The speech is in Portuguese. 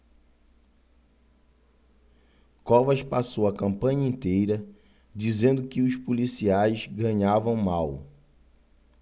covas passou a campanha inteira dizendo que os policiais ganhavam mal